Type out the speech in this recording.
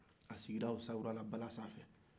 a sigira o sawura la bala sanfɛ